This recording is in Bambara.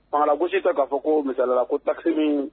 Fanga la gosi tɛ ka fɔ ko misaliya la ko taxe min